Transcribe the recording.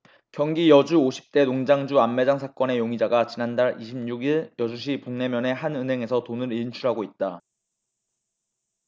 경기 여주 오십 대 농장주 암매장 사건의 용의자가 지난달 이십 육 일 여주시 북내면의 한 은행에서 돈을 인출하고 있다